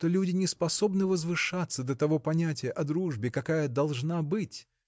что люди не способны возвышаться до того понятия о дружбе какая должна быть.